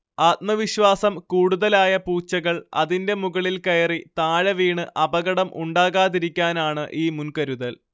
ആത്മവിശ്വാസം കൂടുതലായ പൂച്ചകൾ അതിന്റെ മുകളിൽ കയറി താഴെവീണ് അപകടം ഉണ്ടാകാതിരിക്കാനാണ് ഈ മുൻകരുതൽ